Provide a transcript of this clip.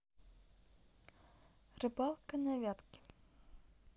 рыбалка на вятке